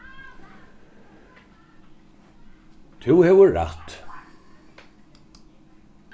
tú hevur rætt